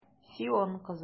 Сион кызы!